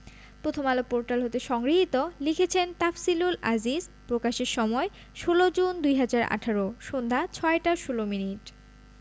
Prothom Alo portal হতে সংগৃহীত লিখেছেন তাফসিলুল আজিজ প্রকাশের সময় ১৬জুন ২০১৮ সন্ধ্যা ৬টা ১৬ মিনিট